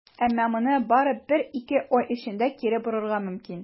Әмма моны бары бер-ике ай эчендә кире борырга мөмкин.